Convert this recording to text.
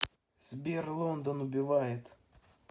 сбер лондон убивает